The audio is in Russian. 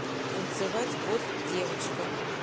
танцевать под девочка